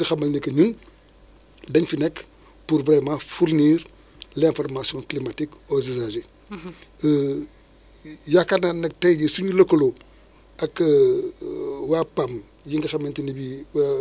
changement climatique yi wala dérèglement climatique dafa nekk réalité boo xam ne ñëpp a koy dund béykat yeeg ñëpp tout le monde te expliqué na léegi léegi phénomène bi